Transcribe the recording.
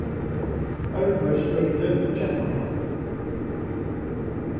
arbeiðsørindi í keypmannahavn